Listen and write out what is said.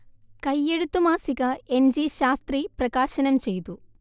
കൈയെഴുത്ത് മാസിക എൻജി ശാസ്ത്രി പ്രകാശനം ചെയ്തു